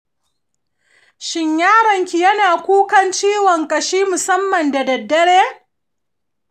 shin yaron ki yana kukan ciwon ƙashi musamman da daddare?